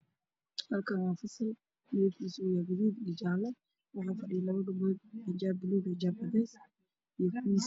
Halkaan waxaa ka muuqdo labo gabdhood mid waxay qabtaa xijaab buluug midna waxay qabtaa hijaab cadays